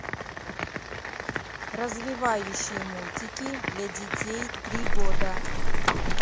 развивающие мультики для детей три года